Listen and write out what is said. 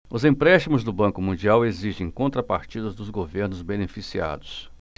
os empréstimos do banco mundial exigem contrapartidas dos governos beneficiados